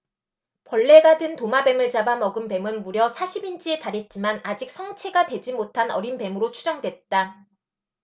벌레가 든 도마뱀을 잡아 먹은 뱀은 무려 사십 인치에 달했지만 아직 성체가 되지 못한 어린 뱀으로 추정됐다